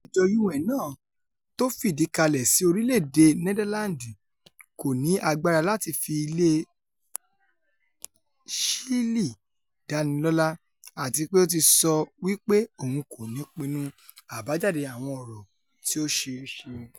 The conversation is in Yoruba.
Àjọ UN náà tófìdí kalẹ̀ sí orílẹ̀-èdè Nẹdáláǹdi kòní agbára láti fi ilẹ̀ Ṣílì dánilọ́lá, àtipé ó ti sọ wí pé òun kòni pinnu àbájáde àwọn ọ̀rọ̀ tí ó ṣeé ṣe.